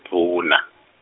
mdvuna.